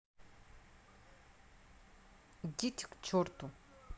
идите к черту